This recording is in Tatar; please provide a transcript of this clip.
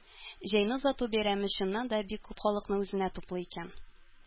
Җәйне озату бәйрәме, чыннан да, бик күп халыкны үзенә туплый икән.